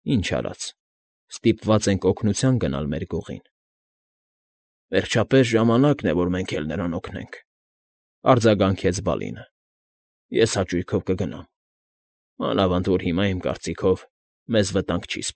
Ինչ արած, ստիպված ենք օգնության գնալ մեր Գողին։ ֊ Վերջապես ժամանակն է, որ մենք էլ նրան օգնենք,֊ արձագանքեց Բալինը։֊ Ես հաճույքով կգնամ, մանավանդ որ հիմա, իմ կարծիքով, մեզ վտանգ չի։